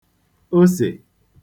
osè